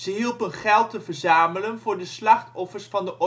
hielpen geld te verzamelen voor de slachtoffers van de